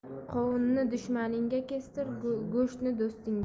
qovunni dushmaningga kestir go'shtni do'stingga